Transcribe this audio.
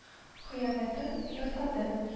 Хыянәтен ясады